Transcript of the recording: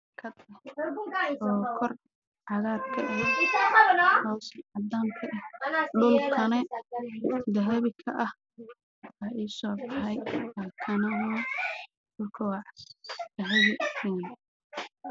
Waa boor midabkiis yahay caddaan cagaar